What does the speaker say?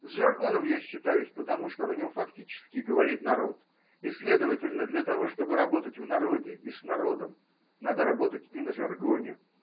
С жаргоном я считаюсь потому, что на нем фактически говорит народ, и, следовательно, для того, чтобы работать в народе и с народом, надо работать и на жаргоне.